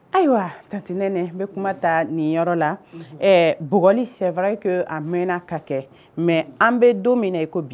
Ayiwa tantenɛnɛ n bɛ kuma ta nin yɔrɔ la b sɛra a mɛnna ka kɛ mɛ an bɛ don min bi